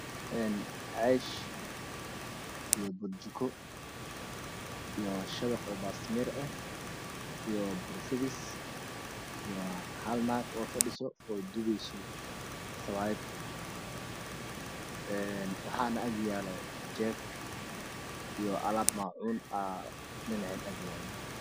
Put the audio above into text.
Een ceysh iyo burjiko iyo shabaq oo baasta miir ah iyo bur fidis iyo hal naag oo fadhiso oo dubayso sawaayad een waxaana agyaalo jeeg iyo alaab maacuun ah aa dhinaceeda agyaalo